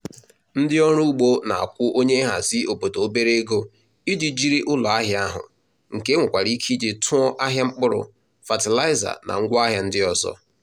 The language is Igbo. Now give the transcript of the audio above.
Ndịọrụ ugbo na-akwụ onyenhazi obodo obere ego iji jiri ụlọahịa ahụ, nke e nwekwara ike iji tụọ ahịa mkpụrụ, fatịlaịza na ngwaahịa ndị ọzọ.